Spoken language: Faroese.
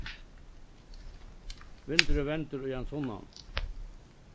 vindurin vendur í ein sunnan